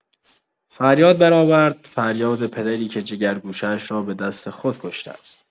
فریاد برآورد، فریاد پدری که جگرگوشه‌اش را به دست خود کشته است.